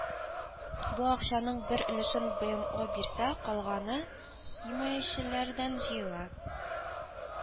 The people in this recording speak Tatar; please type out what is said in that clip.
Бу акчаның бер өлешен БэМО бирсә, калганы химаячеләрдән җыела